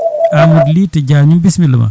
Amadou Ly to Diagni bisimilla ma